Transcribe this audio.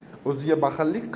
o'ziga baxillik qilgan